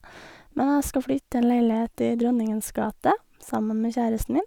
Men jeg skal flytte til en leilighet i Dronningens gate sammen med kjæresten min.